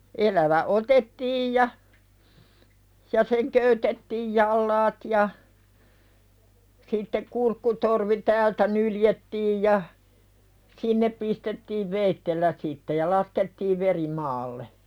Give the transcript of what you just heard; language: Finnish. elävä otettiin ja ja sen köytettiin jalat ja sitten kurkkutorvi täältä nyljettiin ja sinne pistettiin veitsellä sitten ja laskettiin veri maalle